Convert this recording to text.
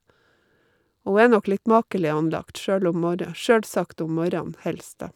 Hun er nok litt makelig anlagt, sjølv om morra sjølsagt om morgenen, helst, da.